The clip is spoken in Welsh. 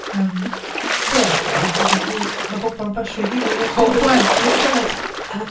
Yym. "Be'? Oeddech chi'n gallu, oedd 'na bobl yn basio'i gilydd ar stryd o blaen? A ddim yn siarad?"